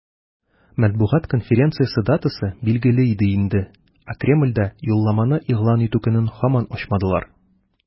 Матбугат конференциясе датасы билгеле иде инде, ә Кремльдә юлламаны игълан итү көнен һаман ачмадылар.